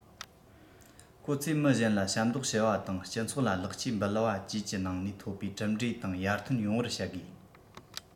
ཁོ ཚོས མི གཞན ལ ཞབས འདེགས ཞུ བ དང སྤྱི ཚོགས ལ ལེགས སྐྱེས འབུལ བ བཅས ཀྱི ནང ནས ཐོབ པའི གྲུབ འབྲས དང ཡར ཐོན ཡོང བར བྱ དགོས